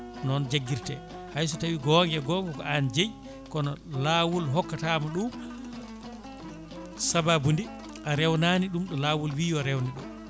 noon jagguirte hayso tawi gonga e gonga ko an jeeyi kono lawol hokkatama ɗum sababude a rewnani ɗum ɗo lawol wii yo rewne ɗo